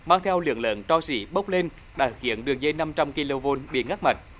mang theo lượng lớn tro xỉ bốc lên đã khiến đường dây năm trăm ki lô vôn bị ngắt mạch